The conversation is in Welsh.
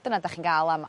dyna 'dach chi'n ga'l am